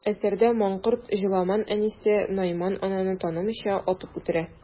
Әсәрдә манкорт Җоламан әнисе Найман ананы танымыйча, атып үтерә.